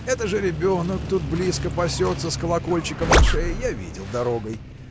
– это жеребенок тут близко пасется с колокольчиком на шее я видел дорогой.